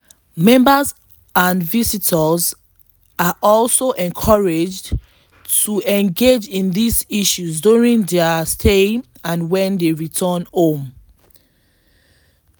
Members and visitors are also encouraged to engage in these issues during their stay and when they return home.